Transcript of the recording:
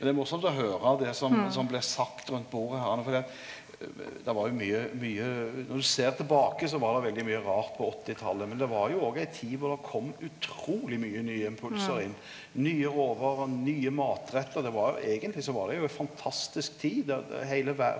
men det er morosamt å høyra det som som blir sagt rundt bordet her nå, fordi at det var jo mykje mykje når du ser tilbake så var det veldig mykje rart på åttitalet, men det var jo óg ei tid kor der kom utruleg mykje nye impulsar inn, nye råvarer, nye matrettar, det var eigentleg så var det jo ei fantastisk tid der der heile.